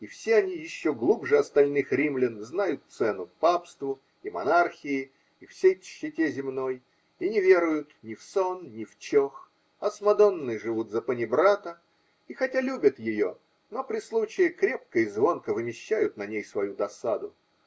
и все они еще глубже остальных римлян знают цену папству и монархии, и всей тщете земной, и не веруют ни в сон, ни в чох, а с Мадонной живут запанибрата, и хотя любят ее, но, при случае, крепко и звонко вымещают на ней свою досаду.